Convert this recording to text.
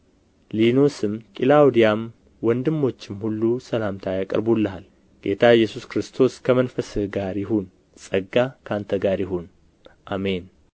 ሊኖስም ቅላውዲያም ወንድሞችም ሁሉ ሰላምታ ያቀርቡልሃል ጌታ ኢየሱስ ክርስቶስ ከመንፈስህ ጋር ይሁን ጸጋ ከእናንተ ጋር ይሁን አሜን